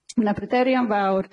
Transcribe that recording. Ma' 'na bryderu yn fawr